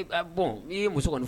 I muso